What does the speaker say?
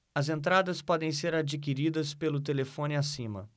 as entradas podem ser adquiridas pelo telefone acima